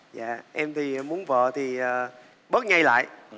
dạ em thì muốn vợ thì bớt nhây lại